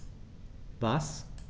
Was?